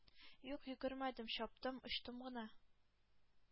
Юк, йөгермәдем, чаптым, очтым гына.